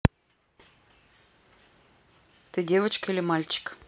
ты девочка или мальчик